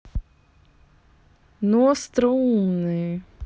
ну остороумный